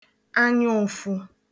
anyaụ̀fụ